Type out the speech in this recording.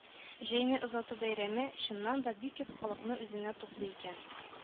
Җәйне озату бәйрәме, чыннан да, бик күп халыкны үзенә туплый икән.